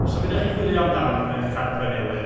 So be dach chi'n chwilio amdan yn eich cartref newydd?